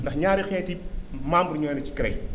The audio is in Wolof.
ndax ñaari xeeti membdre ñoo ne ci CREC yi